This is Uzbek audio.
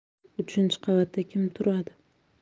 uchinchi qavatda kim turadi